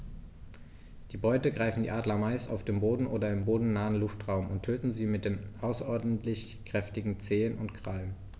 Die Beute greifen die Adler meist auf dem Boden oder im bodennahen Luftraum und töten sie mit den außerordentlich kräftigen Zehen und Krallen.